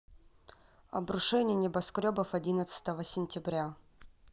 обрушение небоскребов одиннадцатого сентября